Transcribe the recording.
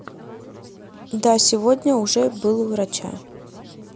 да сегодня уже был у врача